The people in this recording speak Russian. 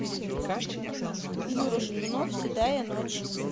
юра шатунов седая ночь